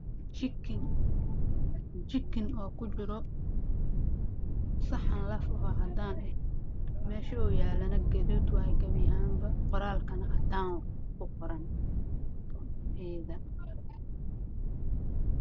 Waa saxan cadaan waxaa ku jira jikin guduud ku jiro